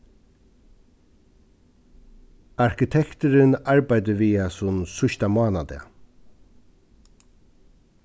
arkitekturin arbeiddi við hasum síðsta mánadag